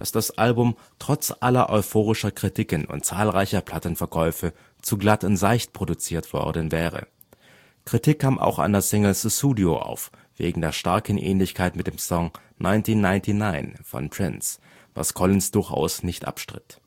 das Album trotz aller euphorischer Kritiken und zahlreicher Plattenverkäufe zu glatt und seicht produziert worden wäre. Kritik kam auch an der Single Sussudio auf, wegen der starken Ähnlichkeit mit dem Song 1999 von Prince, was Collins durchaus nicht abstritt